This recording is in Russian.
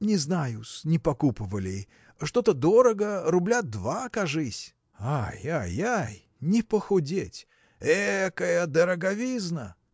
– Не знаю-с; не покупывали: что-то дорого, рубля два, кажись. – Ай, ай, ай! не похудеть! этакая дороговизна!